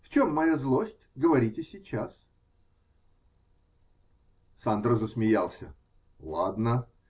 В чем моя злость, говорите сейчас? Сандро засмеялся. -- Ладно.